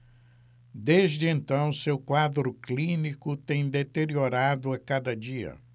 desde então seu quadro clínico tem deteriorado a cada dia